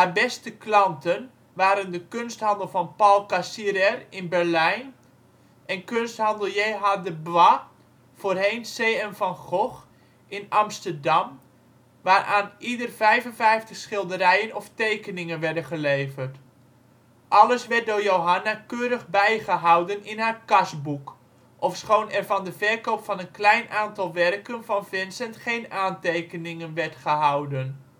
beste klanten waren de kunsthandel van Paul Cassirer in Berlijn en kunsthandel J.H. de Bois (voorheen C.M. van Gogh) in Amsterdam waaraan ieder 55 schilderijen of tekeningen werden geleverd. Alles werd door Johanna keurig bijgehouden in haar kasboek, ofschoon er van de verkoop van een klein aantal werken van Vincent geen aantekening werd gehouden